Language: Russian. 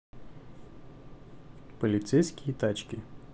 полицейские тачки